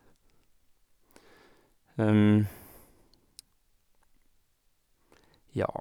Ja.